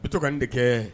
Bitɔn to ka an de kɛ